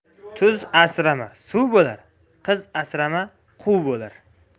tuz asrama suv bo'lar qiz asrama quv bo'lar